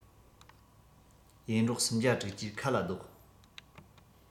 ཡེ འབྲོག སུམ བརྒྱ དྲུག ཅུའི ཁ ལ བཟློག